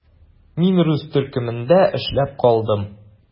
Мин рус төркемендә эшләп калдым.